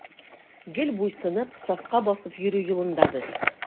Гел буйсынып, сафка басып йөрү юлында без.